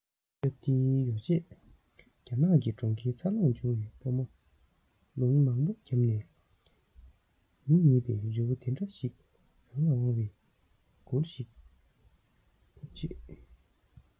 སྟབས བདེའི ཡོ བྱད རྒྱ ནག གི གྲོང ཁྱེར འཚར ལོངས བྱུང བའི བུ མོ ལུང མང པོ བརྒྱབ ནས མི མེད པའི རི བོ འདི འདྲ ཞིག རང ལ དབང བའི གུར ཞིག ཕུབ རྗེས